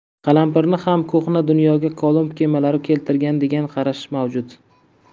qalampirni ham ko'hna dunyoga kolumb kemalari keltirgan degan qarash mavjud